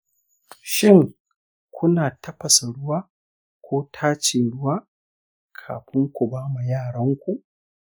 shin kuna tafasa ruwa ko tace ruwa kafin ku ba wa yaronku?